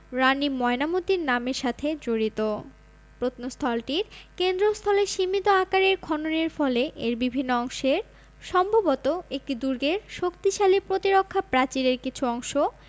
রানী ময়নামতীর নামের সাথে জড়িত প্রত্নস্থলটির কেন্দ্রস্থলে সীমিত আকারের খননের ফলে এর বিভিন্ন অংশের সম্ভবত একটি দুর্গের শক্তিশালী প্রতিরক্ষা প্রাচীরের কিছু অংশ